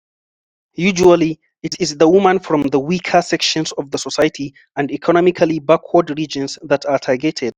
Usually, it is the women from the weaker sections of the society and economically backward regions that are targeted.